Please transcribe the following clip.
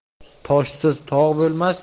toshsiz tog' bo'lmas